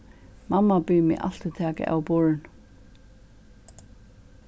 mamma biður meg altíð taka av borðinum